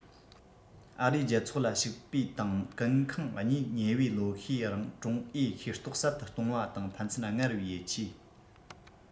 ཨ རིའི རྒྱལ ཚོགས ལ ཞུགས པའི དང ཀུན ཁང གཉིས ཉེ བའི ལོ ཤས རིང ཀྲུང ཨའི ཤེས རྟོགས ཟབ ཏུ གཏོང བ དང ཕན ཚུན སྔར བས ཡིད ཆེས